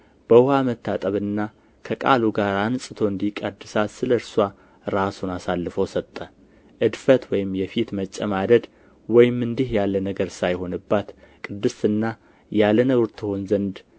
በውኃ መታጠብና ከቃሉ ጋር አንጽቶ እንዲቀድሳት ስለ እርስዋ ራሱን አሳልፎ ሰጠ እድፈት ወይም የፊት መጨማደድ ወይም እንዲህ ያለ ነገር ሳይሆንባት ቅድስትና ያለ ነውር ትሆን ዘንድ